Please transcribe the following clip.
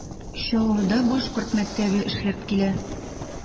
Чаллыда башкорт мәктәбе эшләп килә.